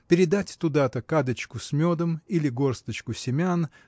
– передать туда-то кадочку с медом или горсточку семян